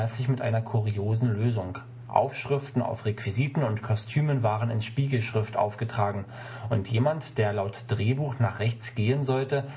sich mit einer kuriosen Lösung. Aufschriften auf Requisiten und Kostümen waren in Spiegelschrift aufgetragen und jemand, der laut Drehbuch nach rechts gehen sollte